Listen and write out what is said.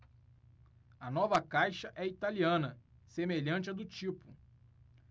a nova caixa é italiana semelhante à do tipo